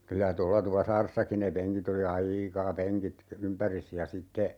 kyllä tuolla Tupasaaressakin ne penkit oli aika penkit ympäri ja sitten